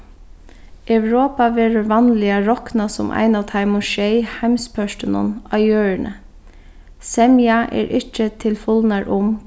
europa verður vanliga roknað sum ein av teimum sjey heimspørtunum á jørðini semja er ikki til fulnar um